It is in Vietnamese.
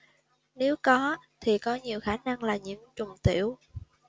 nếu có thì có nhiều khả năng là nhiễm trùng tiểu